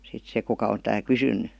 sitten se kuka on tämä kysynyt